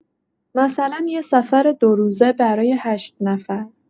مثلا یه سفر دو روزه برای هشت نفر.